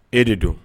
E de don